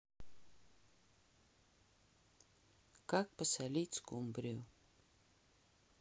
как посолить скумбрию